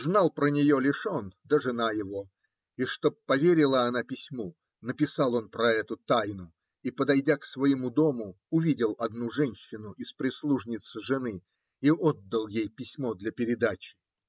знал про нее лишь он да жена его, и чтоб поверила она письму, написал он про эту тайну и, подойдя к своему дому, увидел одну женщину из прислужниц жены и отдал ей письмо для передачи.